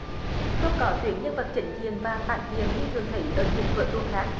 không có tuyến nhân vật chính diện và phản diện như thường thấy ở những vở tuồng khác